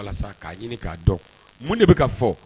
Walasa k'a ɲini k'a dɔn mun de bɛ ka fɔ